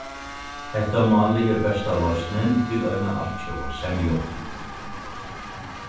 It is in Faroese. hetta málið er besta loysnin til eina altjóða semju